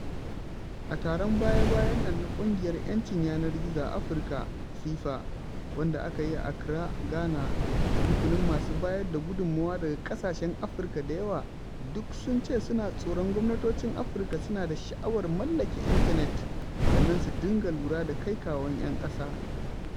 A taron baya-bayan nan na ƙungiyar 'yancin yanar gizo a Afirka (FIFA) wanda aka yi a Accra, Ghana, rukunin masu bayar da gudummawa daga ƙasashen Afirka da yawa duk sun ce suna tsoron gwamnatocin Afirka suna da sha'awar mallake intanet sannan su dinga lura da kai-kawon 'yan ƙasa.